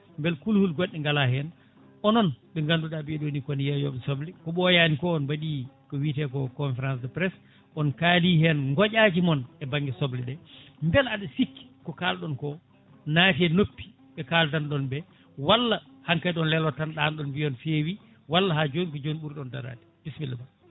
beele kuluhule goɗɗe gala hen onoon ɓe ɓeɗo ni kon yeeyoɓe soble ko ɓoyani ko on mbaɗi ko wite ko conférence de presse on kaali hen goƴaji moon e banggue soble ɗe beela aɗa sikki ko kalɗon ko naati e noppi ɓe kaldanno ɗon ɓe walla hankkadi on leloto tan ɗanoɗon mbiyon feewi walla ha joni ko joni ɓurɗon daarade bismilla ma